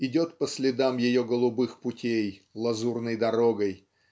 идет по следам ее голубых путей лазурной дорогой